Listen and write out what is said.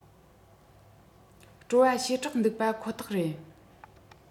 སྤྲོ བ ཞེ དྲག འདུག པ ཁོ ཐག རེད